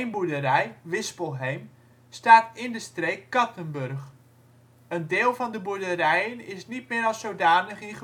boerderij (Wispelheem) staat in de streek Kattenburg. Een deel van de boerderijen is niet meer als zodanig in gebruik